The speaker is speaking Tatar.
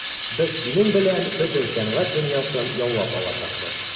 Без синең белән бөтен сәнгать дөньясын яулап алачакбыз.